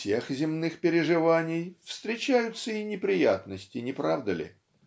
"всех земных переживаний" встречаются и неприятности, -- не правда ли?